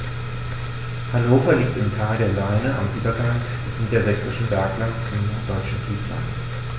Hannover liegt im Tal der Leine am Übergang des Niedersächsischen Berglands zum Norddeutschen Tiefland.